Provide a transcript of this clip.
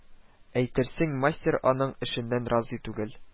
Әйтерсең мастер аның эшеннән разый түгел